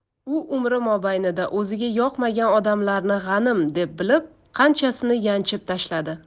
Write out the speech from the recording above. u umri mobaynida o'ziga yoqmagan odamlarni g'anim deb bilib qanchasini yanchib tashladi